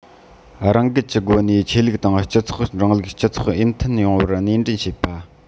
རང འགུལ གྱི སྒོ ནས ཆོས ལུགས དང སྤྱི ཚོགས རིང ལུགས སྤྱི ཚོགས འོས མཐུན ཡོང བར སྣེ འདྲེན བྱེད པ